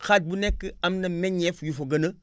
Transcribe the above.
xaaj bu nekk am na meññeef yu fa gën a